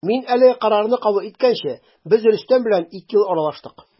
Мин әлеге карарны кабул иткәнче без Рөстәм белән ике ел аралаштык.